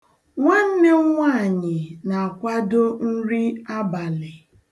Nwanne m nwaanyị na-akwado nri abalị.